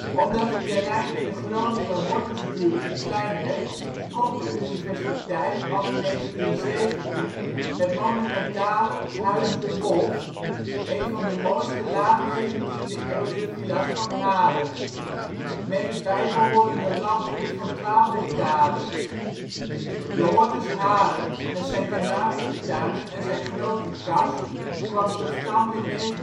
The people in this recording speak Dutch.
Omdat het terrein in de Groninger Hortusbuurt te klein werd, kocht de universiteit al in 1917 het monumentale ' t Huis de Wolf, een van de mooiste laat-negentiende-eeuwse villa 's van Haren, met het bijbehorende landgoed van 12 hectare. De Hortus Haren, met zijn thematische tuinen en zijn grote kas, kwam tot stand in 1967